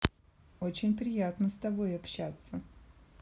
очень приятно что с тобой общаться